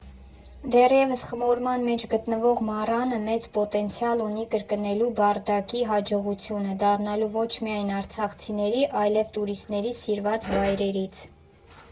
Դեռևս խմորման մեջ գտնվող «Մառանը» մեծ պոտենցիալ ունի կրկնելու «Բարդակի» հաջողությունը, դառնալու ոչ միայն արցախցիների, այլև տուրիստների սիրված վայրերից։